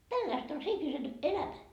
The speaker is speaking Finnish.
tällaista on se ihmisen elämä